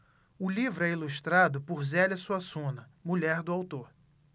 o livro é ilustrado por zélia suassuna mulher do autor